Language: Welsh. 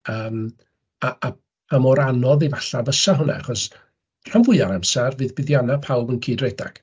Yym, a a a mor anodd efalla fysa hwnna, achos rhan fwyaf o'r amser bydd buddiannau pawb yn cyd-redeg.